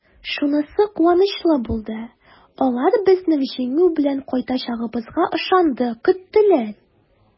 Шунысы куанычлы булды: алар безнең җиңү белән кайтачагыбызга ышанды, көттеләр!